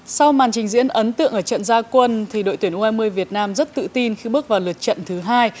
sau màn trình diễn ấn tượng ở trận ra quân thì đội tuyển u hai mươi việt nam rất tự tin khi bước vào lượt trận thứ hai